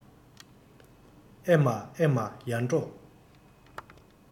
ཨེ མ ཨེ མ ཡར འབྲོག